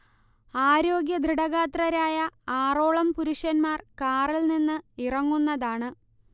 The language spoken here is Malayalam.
ആരോഗ്യദൃഡഗാത്രരായ ആറോളം പുരുഷന്മാർ കാറിൽ നിന്ന് ഇറങ്ങുന്നതാണ്